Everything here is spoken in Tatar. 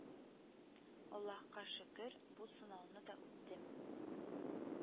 Аллаһка шөкер, бу сынауны да үтте